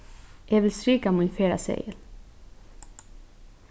eg vil strika mín ferðaseðil